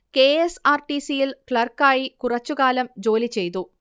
K. S. R. T. C. യിൽ ക്ലർക്കായ് കുറച്ചു കാലം ജോലി ചെയ്തു